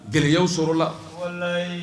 Gɛlɛyaw sɔrɔla la